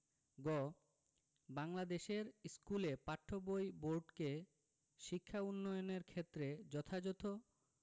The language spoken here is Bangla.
গ বাংলাদেশের স্কুলে পাঠ্য বই বোর্ডকে শিক্ষা উন্নয়নের ক্ষেত্রে যথাযথ